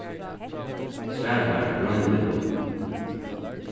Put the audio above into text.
svara mær nágreiniliga